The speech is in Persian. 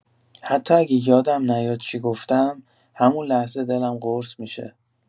حتی اگه یادم نیاد چی گفتم، همون لحظه دلم قرص می‌شه.